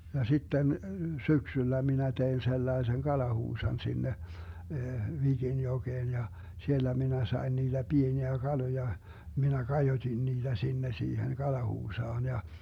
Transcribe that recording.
ja sitten syksyllä minä tein sellaisen kalahuusan sinne Viginjokeen ja siellä minä sain niitä pieniä kaloja minä kajotin niitä sinne siihen kalahuusaan ja